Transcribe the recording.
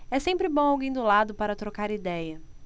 é sempre bom alguém do lado para trocar idéia